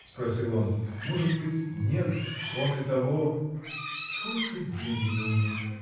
– спросил он, – может быть, нет, он и того. – Только деньги на уме!